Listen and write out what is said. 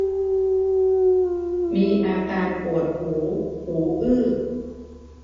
มีอาการปวดหูหูอื้อ